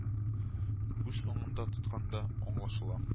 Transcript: Күз уңында тотканда, аңлашыла